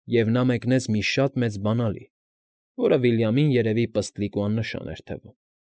Եվ նա մեկնեց մի շատ մեծ բանալի, որը Վիլյամին, երևի, պստլիկ ու աննշան էր թվում։